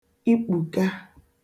ikpùka